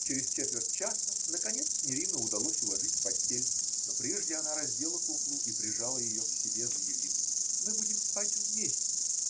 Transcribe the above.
Через четверть часа наконец Нерину удалось уложить в постель, но прежде она раздела куклу и прижала ее к себе, заявив: -- Мы будем спать вместе!